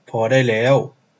พอได้แล้ว